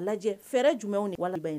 A lajɛ fɛrɛɛrɛ jumɛnw ni walelan ye